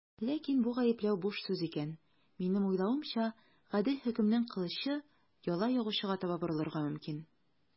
Ләкин бу гаепләү буш сүз икән, минем уйлавымча, гадел хөкемнең кылычы яла ягучыга таба борылырга мөмкин.